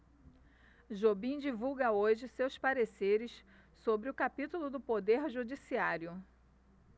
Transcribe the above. jobim divulga hoje seus pareceres sobre o capítulo do poder judiciário